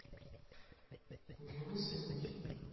грибы свинухи